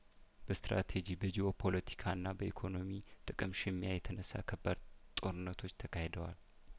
በስትራቴጂ በጂኦ ፖለታካና በኢኮኖሚ ጥቅም ሽሚያየተነሳ ከባድ ጦርነቶች ተካ ሂደዋል